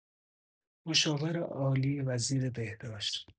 مشاور عالی وزیربهداشت